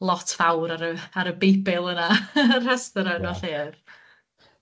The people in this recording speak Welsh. lot fawr ar y ar y Beibil yna y rhestyr enwau lleoedd.